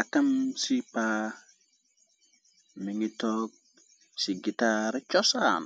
Akam ci paa mi ngi toog ci gitaar chosaam